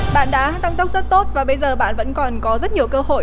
bạn đã tăng tốc rất tốt và bây giờ bạn vẫn còn có rất nhiều cơ hội